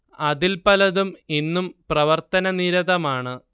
അതിൽ പലതും ഇന്നും പ്രവർത്തനനിരതമാണ്